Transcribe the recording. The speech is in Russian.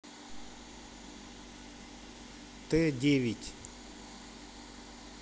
т девять